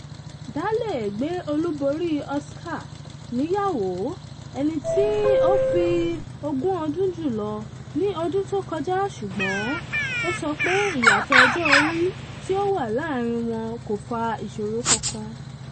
Daley gbé olùborí Oscar níyàwó, ẹní tí ó fi ogún ọdún jù ú lọ, ní ọdún tó kọjá ṣùgbọ́n ó sọ pé ìyàtọ̀ ọjọ́ orí tí ó wà láàrín wọm kò fà ìṣòro kankan.